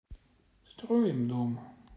строим дом